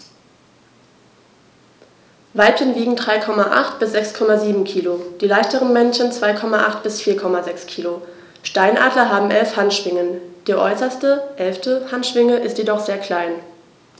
Weibchen wiegen 3,8 bis 6,7 kg, die leichteren Männchen 2,8 bis 4,6 kg. Steinadler haben 11 Handschwingen, die äußerste (11.) Handschwinge ist jedoch sehr klein.